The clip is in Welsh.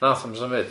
Wnaeth o'm symud.